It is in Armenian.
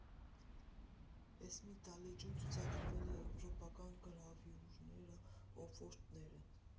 Էս մի դահլիճում ցուցադրվելու է եվրոպական գրավյուրաները, օֆորտները։